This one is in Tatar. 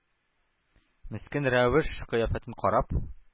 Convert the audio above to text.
Мескен рәвеш-кыяфәтен карап,